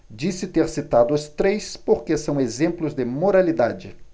disse ter citado os três porque são exemplos de moralidade